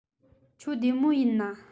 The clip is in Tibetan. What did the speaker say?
ཁྱོད བདེ མོ ཡིན ན